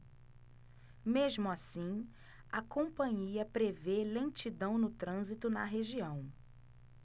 mesmo assim a companhia prevê lentidão no trânsito na região